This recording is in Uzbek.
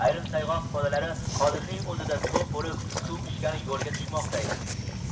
ayrim sayg'oq podalari hoziming o'zida to'p bo'lib suv ichgani yo'lga tushmoqda edi